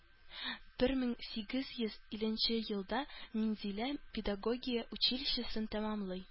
Бер мең сигез йөз илленче елда Минзәлә педагогия училищесын тәмамлый